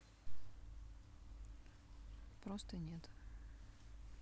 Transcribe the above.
просто нет